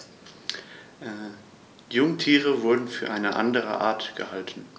Jungtiere wurden für eine andere Art gehalten.